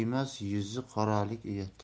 emas yuzi qoralik uyat